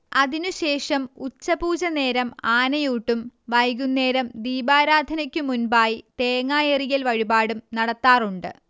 അതിനുശേഷം ഉച്ചപൂജനേരം ആനയൂട്ടും വൈകുന്നേരം ദീപാരാധനക്കുമുൻപായി തേങ്ങായെറിയല് വഴിപാടും നടത്താറുണ്ട്